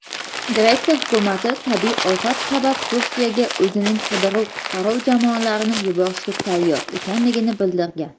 gretsiya hukumati tabiiy ofat sabab turkiyaga o'zining qidiruv qutqaruv jamoalarini yuborishga tayyor ekanligini bildirgan